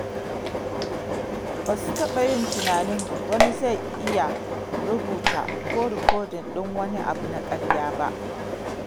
Ba su taba yin tunanin wani zai iya rubuta ko rikodin ɗin wani abu na ƙarya ba.